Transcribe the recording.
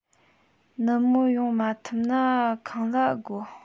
ནུབ མོ ཡོང མ ཐུབ ན ཁང གླ ཨེ དགོ